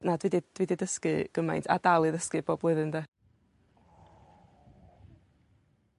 Na dwi 'di dwi 'di dysgu gymaint a dal i ddysgu pob blwyddyn 'de?